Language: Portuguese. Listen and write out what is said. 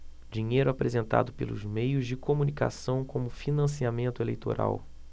dinheiro apresentado pelos meios de comunicação como financiamento eleitoral